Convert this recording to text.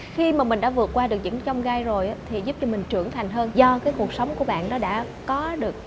khi mà mình đã vượt qua được những chông gai rồi thì giúp cho mình trưởng thành hơn do cái cuộc sống của bạn nó đã có được